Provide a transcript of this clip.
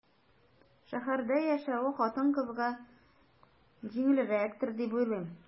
Шәһәрдә яшәве хатын-кызга җиңелрәктер дип уйлыйм.